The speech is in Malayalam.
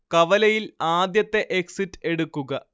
കവലയിൽ ആദ്യത്തെ എക്സിറ്റ് എടുക്കുക